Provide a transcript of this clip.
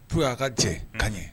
P y'a ka jɛ ka ɲɛ